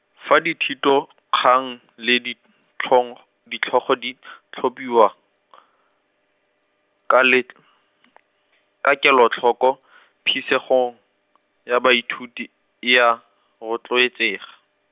fa dithitokgang le ditlhong, ditlhogo di tlhopiwa, ka letl- , ka kelotlhoko , phisego, ya baithuti, e a, rotloetsega.